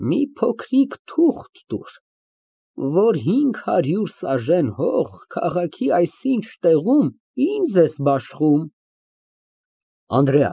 Մի փոքրիկ թուղթ տուր, որ հինգ հարյուր սաժեն հող քաղաքի այսինչ տեղում բաշխում ես ինձ։